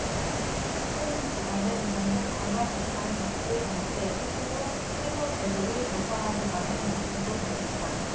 홍 지사는 전국 광역지방자치단체 최초로 채무 제로를 달성하겠다는 목표도 밝혔다